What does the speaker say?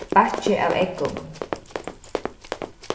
bakki av eggum